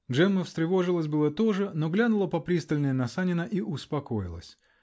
Джемма встревожилась было тоже, но глянула попристальнее на Санина и успокоилась.